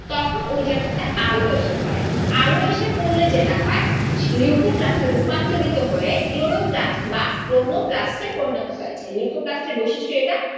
তখন সে জায়গাটাতে আলো এসে পড়ে আলো এসে পড়লে যেটা হয় লিউকোপ্লাস্ট টা রূপান্তরিত হয় ক্লোরোপ্লাস্ট বা ক্রোমোপ্লাস্ট এ পরিণত হয়ে যায় লিউকোপ্লাস্ট এর বৈশিষ্ট্য এটা